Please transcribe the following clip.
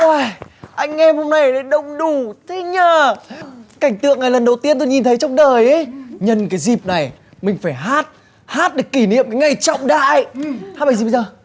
uầy anh em hôm nay ở đây đông đủ thế nhờ cảnh tượng này lần đầu tiên tôi nhìn thấy trong đời í nhân cái dịp này mình phải hát hát để kỷ niệm cái ngày trọng đại hát bài gì bây giờ